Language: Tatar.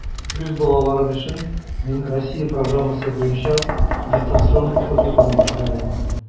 Үз балаларым өчен мин Россия программасы буенча дистанцион укыту турында хыялланам.